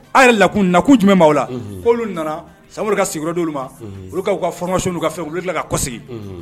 A yɛrɛ lakun na'u jumɛnaw la ko'olu nana ka sigiyɔrɔ ma olu kamasiw ka fɛ tila ka sigi